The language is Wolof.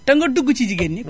te nga dugg ci jigéen ñi